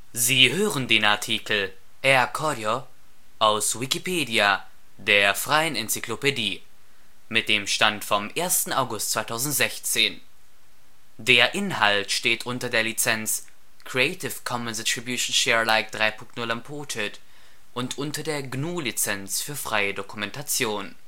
Sie hören den Artikel Air Koryo, aus Wikipedia, der freien Enzyklopädie. Mit dem Stand vom Der Inhalt steht unter der Lizenz Creative Commons Attribution Share Alike 3 Punkt 0 Unported und unter der GNU Lizenz für freie Dokumentation